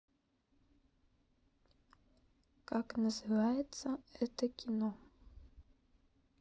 как называется это кино